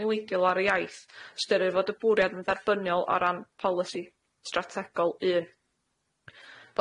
newidiol ar y iaith ystyrir fod y bwriad yn dderbyniol o ran polisi strategol un.